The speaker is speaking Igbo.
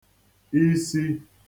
isi